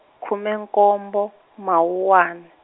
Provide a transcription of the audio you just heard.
khume nkombo, Mawuwani.